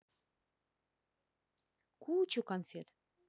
кучу конфет